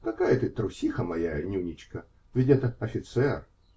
Какая ты трусиха, моя Нюничка! Ведь это -- офицер.